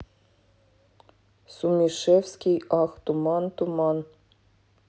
сумишевский ах туман туман